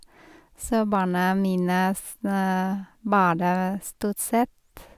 Så barna mine s bada stort sett.